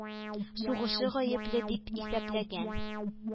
Сугышы гаепле дип исәпләгән